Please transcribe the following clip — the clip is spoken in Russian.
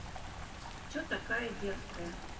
че такая дерзкая